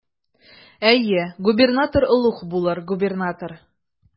Әйе, губернатор олуг булыр, губернатор.